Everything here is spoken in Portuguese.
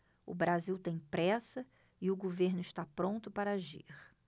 o brasil tem pressa e o governo está pronto para agir